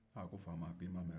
aa ko faama k'i m'a mɛn